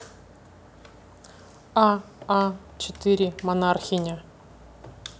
а а четыре монархиня